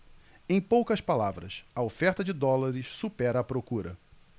em poucas palavras a oferta de dólares supera a procura